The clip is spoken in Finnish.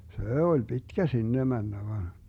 se oli pitkä sinne mennä vaan